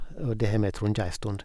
Og det har vi tronge ei stund.